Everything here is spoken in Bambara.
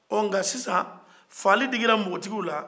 ɔ nga sisa fagali digira nbogotigiw la